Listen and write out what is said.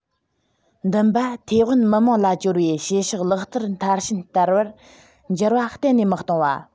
འདུན པ ཐའེ ཝན མི དམངས ལ བཅོལ བའི བྱེད ཕྱོགས ལག ལེན མཐར ཕྱིན བསྟར བར འགྱུར བ གཏན ནས མི གཏོང བ